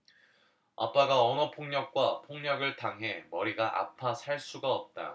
아빠가 언어폭력과 폭력을 당해 머리가 아파 살 수가 없다